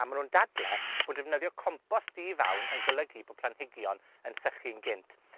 A ma' nw'n dadle bod defnyddio compost di-fawn yn golygu bo' planhigion yn sychu'n gynt.